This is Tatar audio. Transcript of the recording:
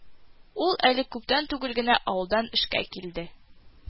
Ул әле күптән түгел генә авылдан эшкә килде